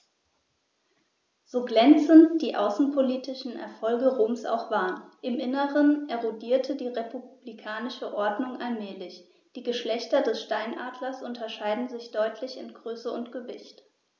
So glänzend die außenpolitischen Erfolge Roms auch waren: Im Inneren erodierte die republikanische Ordnung allmählich. Die Geschlechter des Steinadlers unterscheiden sich deutlich in Größe und Gewicht.